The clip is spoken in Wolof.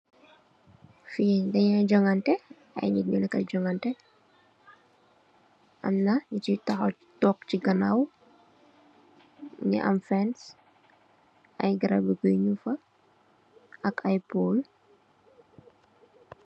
Fi danu jogantè ay nit nyo nekk di jogantè. Amna nu chi tahaw nu toog chi ganaaw, mungi am fènce, ay garab yi gouyè nung fa ak ay pool.